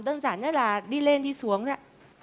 đơn giản nhất là đi lên đi xuống thôi ạ